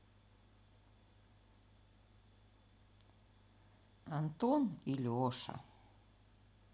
антон и леша